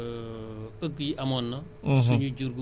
bu ñu xoolee deux mille deux